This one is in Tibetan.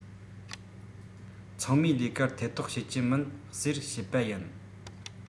ཚང མའི ལས ཀར ཐེ གཏོགས བྱེད ཀྱི མིན ཟེར བཤད པ ཡིན